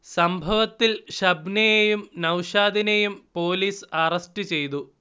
സംഭവത്തിൽ ഷബ്നയേയും നൗഷാദിനേയും പൊലീസ് അറസ്റ്റ് ചെയ്തു